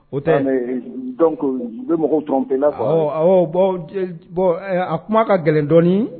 O tɛ bɛ mɔgɔw tɔn fɛ a kuma ka gɛlɛn dɔɔnini